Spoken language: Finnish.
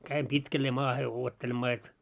kävin pitkälleen maahan odottelemaan jotta